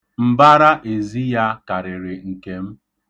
Mbara ezi ya karịrị nke m.